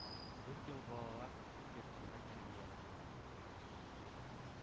Дүрт ел балалар йортында тәрбияләндем.